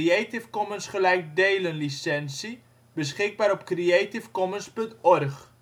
51° 51 ' NB, 5° 36 ' OL